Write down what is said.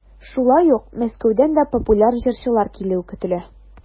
Шулай ук Мәскәүдән дә популяр җырчылар килүе көтелә.